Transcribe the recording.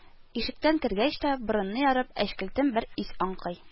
Ишектән кергәч тә, борынны ярып, әчкелтем бер ис аңкый